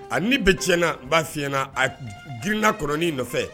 A nin bɛ tiɲɛna n b'a fɔ i ɲɛna a girinna kɔnɔnin nɔfɛ